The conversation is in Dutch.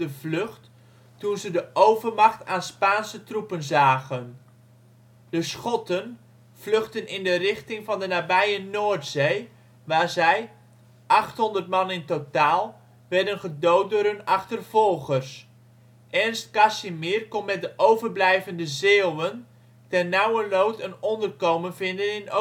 vlucht toen ze de overmacht aan Spaanse troepen zagen. De Schotten vluchtten in de richting van de nabije Noordzee waar zij, 800 man in totaal, werden gedood door hun achtervolgers. Ernst Casimir kon met de overblijvende Zeeuwen ternauwernood een onderkomen vinden in